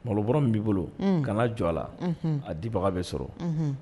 Malobɔrɛ min b'i bolo, unhn, kana jɔn a la, a dibaga bɛ sɔrɔ, unhun